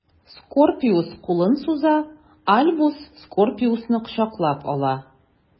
Скорпиус кулын суза, Альбус Скорпиусны кочаклап ала.